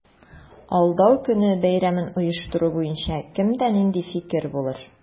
Алдау көне бәйрәмен оештыру буенча кемдә нинди фикер булыр?